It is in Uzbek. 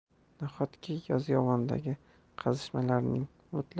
nahotki yozyovondagi qazishmalarning